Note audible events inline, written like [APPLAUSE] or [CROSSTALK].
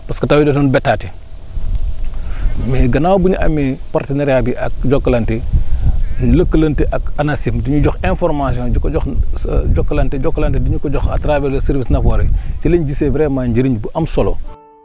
parce que taw da doon bettaate mais gannaaw bi ñu amee partenariat bi ak Jokalante lëkkalante ak ANACIM di ñu jox information di ko jox sa [HESITATION] Jokalante Jokalante di ñu ko jox à travers le service Nafoore ci lañ gisee vraiment njëriñ bi am solo